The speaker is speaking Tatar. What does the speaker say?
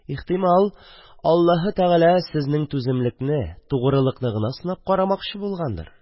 Ихтимал, Аллаһы Тәгалә сезнең түземлекне, тугрылыкны гына сынап карамакчы булгандыр.